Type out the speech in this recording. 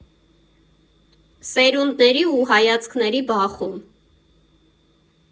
Սերունդների ու հայացքների բախում։